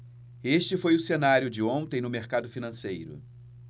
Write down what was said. este foi o cenário de ontem do mercado financeiro